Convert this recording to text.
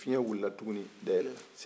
fiɲɛ wilila tuguni da yɛlɛla